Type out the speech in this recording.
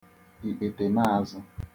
ìkpètèmàazụ̄